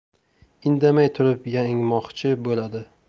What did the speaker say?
indamay turib yengmoqchi bo'ladi